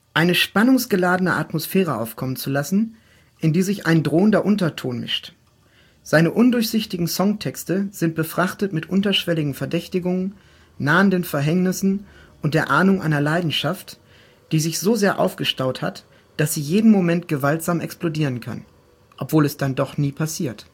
…eine spannungsgeladene Atmosphäre aufkommen zu lassen, in die sich ein drohender Unterton mischt. Seine undurchsichtigen Songtexte sind befrachtet mit unterschwelligen Verdächtigungen, nahenden Verhängnissen und der Ahnung einer Leidenschaft, die sich so sehr aufgestaut hat, daß sie jeden Moment gewaltsam explodieren kann – obwohl es dann doch nie passiert